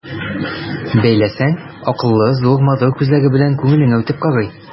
Бәйләсәң, акыллы, зур, матур күзләре белән күңелеңә үтеп карый.